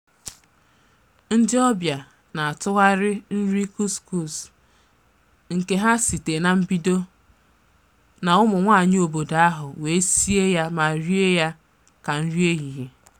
Ndị ọbịa na-atụgharị nrị kuskus nke ha site na mbido, na ụmụnwaanyị obodo ahụ, wee sie ya ma rie ya ka nri ehihie.